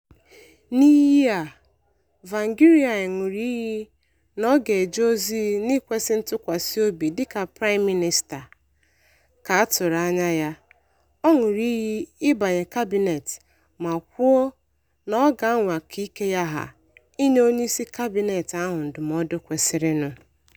N'iyi a, Tsvangirai ṅụrụ iyi na ọ ga-eje ozi n'ikwesị ntụkwasị obi dịka Prime Minister, ka a tụrụ anya ya, ọ ṅụrụ iyi ịbanye kabịnet ma kwuo na ọ ga-anwa ka ike ya gha ịnye onyeisi kabịnet ahụ ndụmọdụ kwesịrị nụ.